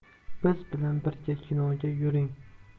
biz bilan birga kinoga yuring